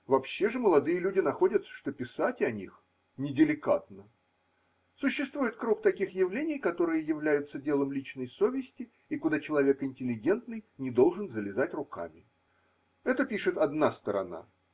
Вообще же молодые люди находят, что писать о них неделикатно: существует круг таких явлений, которые являются делом личной совести и куда человек интеллигентный не должен залезать руками. Это пишет одна сторона.